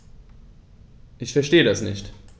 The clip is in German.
Ich verstehe das nicht.